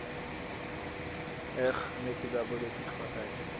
эх мне тебя будет не хватать